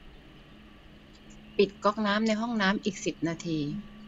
ปิดก๊อกน้ำในห้องน้ำอีกสิบนาที